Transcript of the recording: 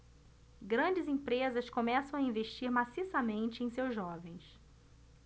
grandes empresas começam a investir maciçamente em seus jovens